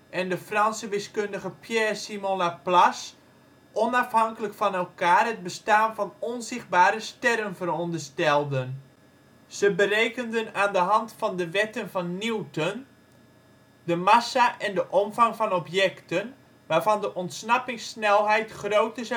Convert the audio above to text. en de Franse wiskundige Pierre-Simon Laplace onafhankelijk van elkaar het bestaan van onzichtbare sterren veronderstelden. Ze berekenden aan de hand van de wetten van Newton de massa en de omvang van objecten waarvan de ontsnappingssnelheid groter